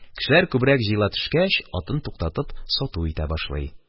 Кешеләр күбрәк җыела төшкәч, атын туктатып, сату итә башлый